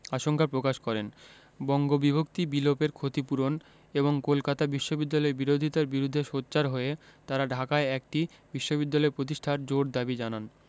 আশঙ্কা প্রকাশ করেন বঙ্গবিভক্তি বিলোপের ক্ষতিপূরণ এবং কলকাতা বিশ্ববিদ্যালয়ের বিরোধিতার বিরুদ্ধে সোচ্চার হয়ে তারা ঢাকায় একটি বিশ্ববিদ্যালয় প্রতিষ্ঠার জোর দাবি জানান